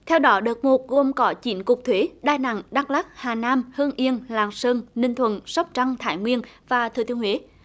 theo đó đợt một gồm có chín cục thuế đà nẵng đắc lắc hà nam hưng yên lạng sơn ninh thuận sóc trăng thái nguyên và thừa thiên huế